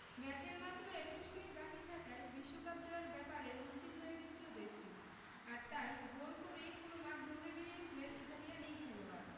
ম্যাচের মাত্র ২১ মিনিট বাকি থাকায় বিশ্বকাপ জয়ের ব্যাপারে নিশ্চিত হয়ে গিয়েছিল দেশটি আর তাই গোল করেই পুরো মাঠ দৌড়ে বেড়িয়েছিলেন ইতালিয়ান এই খেলোয়াড়